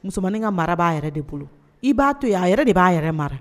Musomanini ka mara b'a yɛrɛ de bolo i b'a to ye a yɛrɛ de b'a yɛrɛ mara